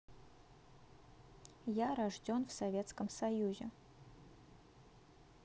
я рожден в советском союзе